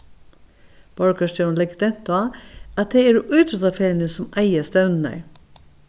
borgarstjórin leggur dent á at tað eru ítróttafeløgini sum eiga stevnurnar